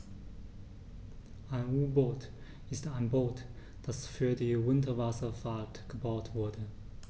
Ein U-Boot ist ein Boot, das für die Unterwasserfahrt gebaut wurde.